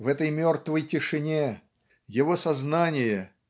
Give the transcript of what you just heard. в этой мертвой тишине его сознание